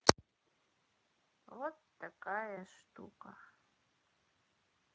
вот такая штука